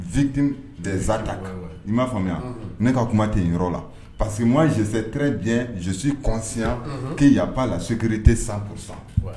Zit zan ta i m'a faamuya ne ka kuma ten yɔrɔ la parce que ma zrejɛ zosi kɔnsi k' yaaba la ski tɛ san sa